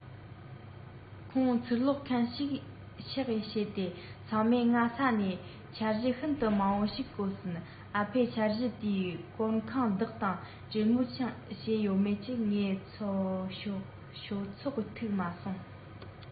ཁོང ཚུར ལོག མཁན ཡིན ཤག བྱས ཏེ ཚང མས སྔ ས ནས འཆར གཞི ཤིན ཏུ མང པོ ཞིག བཀོད ཟིན ཨ ཕས འཆར གཞི དེའི སྐོར ཁང བདག དང གྲོས མོལ བྱས ཡོད མེད ནི ངས ཤོད ཚོད ཐིག མ སོང